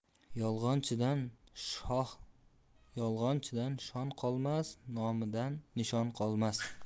yolg'onchidan shon qolmas nomidan nishon qolmas